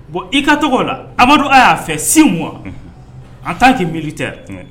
Bon i ka tɔgɔ la amadu a y'a fɛ sinugan an t' kɛ miiri tɛ